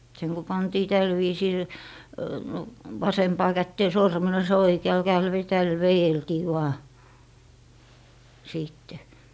sen kun pantiin tällä viisillä vasempaan käteen sormennos ja oikealla kädellä - tällä vedeltiin vain sitten